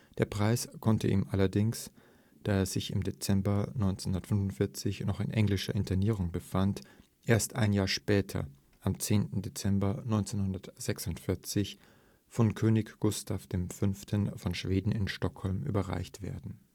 Der Preis konnte ihm allerdings, da er sich im Dezember 1945 noch in englischer Internierung befand, erst ein Jahr später am 10. Dezember 1946 von König Gustav V. von Schweden in Stockholm überreicht werden